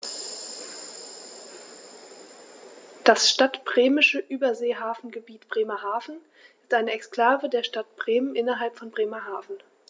Das Stadtbremische Überseehafengebiet Bremerhaven ist eine Exklave der Stadt Bremen innerhalb von Bremerhaven.